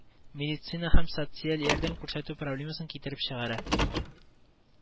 Медицина һәм социаль ярдәм күрсәтү проблемасын китереп чыгара